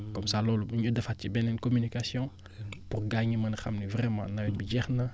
comme ça loolu ñu defaat ci beneen communication pour gars ñi mën a xam ne vraiment nawet bi jeex na